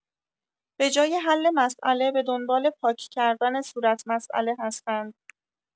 به‌جای حل مسئله به دنبال پاک‌کردن صورت مسئله هستند.